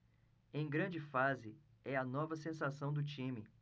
em grande fase é a nova sensação do time